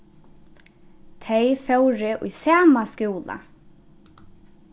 tey fóru í sama skúla